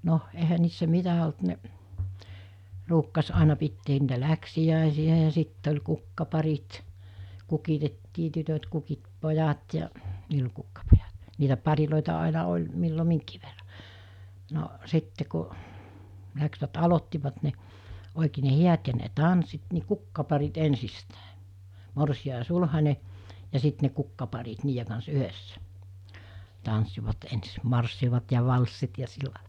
no eihän niissä mitä ollut ne ruukasi aina pitää niitä läksiäisiä ja sitten oli kukkaparit kukitettiin tytöt kukitti pojat ja niillä oli kukkapojat niitä pareja aina oli milloin minkin verran no sitten kun lähtivät aloittivat ne oikein ne häät ja ne tanssit niin kukkaparit ensistään morsian ja sulhanen ja sitten ne kukkaparit niiden kanssa yhdessä tanssivat ensin marssivat ja valssit ja sillä lailla